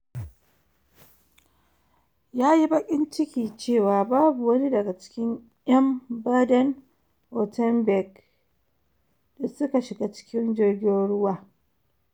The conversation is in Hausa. Ya yi baƙin ciki cewa babu wani daga cikin 'yan Baden-Wuerttemberg da suka shiga cikin jirgin ruwa.